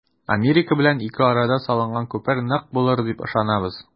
Америка белән ике арада салынган күпер нык булыр дип ышанабыз.